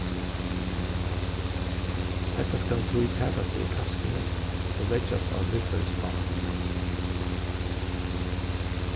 hetta skal tí takast úr taskuni og leggjast á viðførisbandið